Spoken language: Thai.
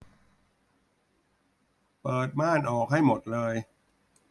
เปิดม่านออกให้หมดเลย